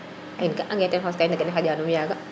im ga a nge teena xoxes kay neke xaƴa num yaga